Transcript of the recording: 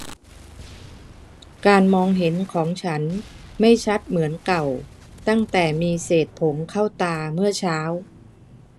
การมองเห็นของฉันไม่ชัดเหมือนเก่าตั้งแต่มีเศษผงเข้าตาเมื่อเช้า